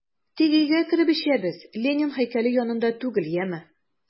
Тик өйгә кереп эчәбез, Ленин һәйкәле янында түгел, яме!